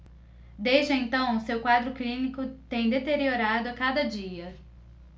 desde então seu quadro clínico tem deteriorado a cada dia